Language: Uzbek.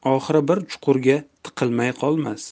oxiri bir chuqurga tiqilmay qolmas